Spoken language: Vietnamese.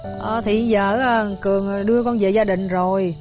à thì giờ á thằng cường đưa con dề gia đình rồi